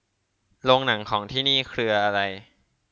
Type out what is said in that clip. โรงหนังของที่นี่เครืออะไร